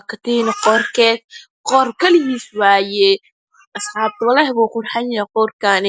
Waa katiinad iyo qoor kaligeed asxaabta walahi wuu qurxoonyahay qoorkaan